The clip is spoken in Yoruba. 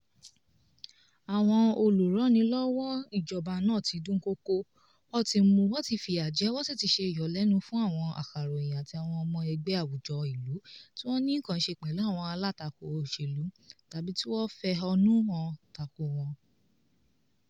Àwọn olúranilọ́wọ̀ ìjọba náà tí dúnkòokò, wọ́n ti mú, wọ́n ti fìyà jẹ, wọ́n sì ti ṣe ìyọlẹ́nu fún àwọn akọ̀ròyìn àti àwọn ọmọ ẹgbẹ́ àwùjọ ìlú tí wọ́n ní ǹnkan ṣe pẹ̀lú àwọn alátakò òṣèlú tàbí tí wọ́n fẹ̀hónú hàn takò wọ́n.